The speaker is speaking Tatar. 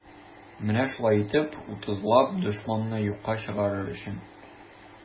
Менә шулай итеп, утызлап дошманны юкка чыгарыр өчен.